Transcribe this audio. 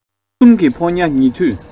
དགུན གསུམ གྱི ཕོ ཉ ཉེ དུས